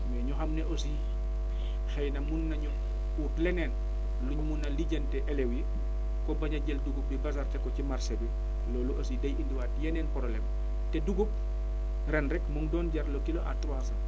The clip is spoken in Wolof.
ñu ñu xam ne aussi xëy na mun nañu ut leneen lu mu mun a lijjantee élèves yi pour bañ a jël dugub bi bazarder ko ci marché bi loolu aussi day indiwaat yeneen problème te dugub ren rek mu ngi doon jar le kilo à trois cent